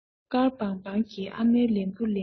དཀར བང བང གི ཨ མའི ལན བུ ལས ཆད